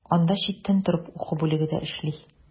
Анда читтән торып уку бүлеге дә эшли.